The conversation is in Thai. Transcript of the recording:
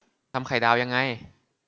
ทำไข่ดาวยังไง